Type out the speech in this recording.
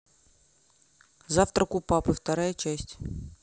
завтрак у папы вторая часть